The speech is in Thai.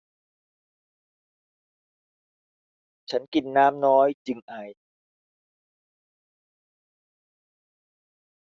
ฉันกินน้ำน้อยจึงไอ